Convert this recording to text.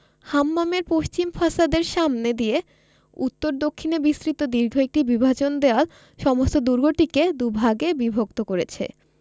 হাম্মামের পশ্চিম ফাসাদের সামনে দিয়ে উত্তর দক্ষিণে বিস্তৃত দীর্ঘ একটি বিভাজন দেওয়াল সমস্ত দুর্গটিকে দুভাগে বিভক্ত করেছে